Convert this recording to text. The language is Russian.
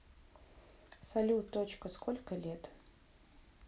салют точка сколько лет